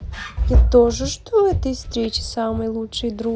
я тоже жду этой встречи самый лучший друг